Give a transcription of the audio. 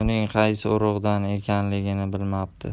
uning qaysi urug'dan ekanligini bilmabdi